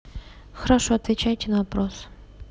хорошо отвечаете на вопросы